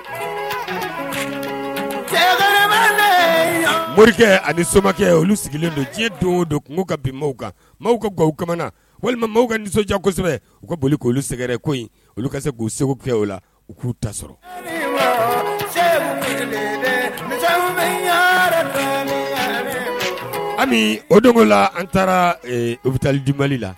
Morikɛ ani somakɛ olu sigilen don diɲɛ don don kungo ka bi mɔgɔw kan gamana walima mɔgɔw nisɔnjɛsɛbɛ u ka boli k olu sɛgɛrɛ ko olu se segu kɛ la u k'u ta sɔrɔ o la an taara u bɛ taali dibali la